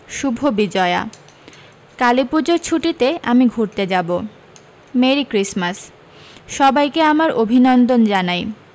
শুভ বিজয়া কালী পূজোর ছুটিতে আমি ঘুরতে যাব মেরি ক্রিসমাস সবাইকে আমার অভিনন্দন জানাই